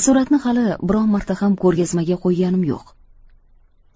suratni hali biron marta ham ko'rgazmaga qo'yganim yo'q